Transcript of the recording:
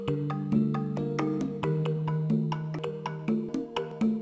Sanunɛgɛnin